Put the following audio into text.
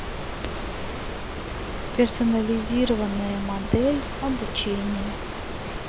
персонализированная модель обучения